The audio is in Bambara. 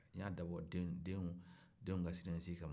n ɲ'a dabɔ denw ka siniɲɛsigi de kama